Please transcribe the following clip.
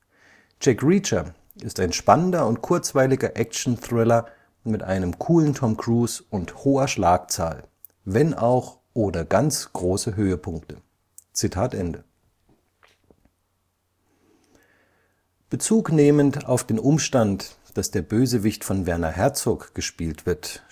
…]„ Jack Reacher " ist ein spannender und kurzweiliger Action-Thriller mit einem coolen Tom Cruise und hoher Schlagzahl, wenn auch ohne ganz große Höhepunkte. “– Filmstarts.de Bezugnehmend auf den Umstand, dass der Bösewicht von Werner Herzog gespielt wird